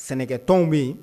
Sɛnɛ tɔnw bɛ yen